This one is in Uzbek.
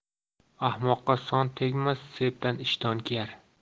ahmoqqa son tegmas sepdan ishton kiyar